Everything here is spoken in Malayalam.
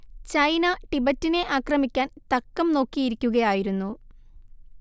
ചൈന ടിബറ്റിനെ ആക്രമിക്കാൻ തക്കം നോക്കിയിരിക്കുകയായിരുന്നു